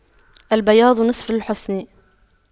البياض نصف الحسن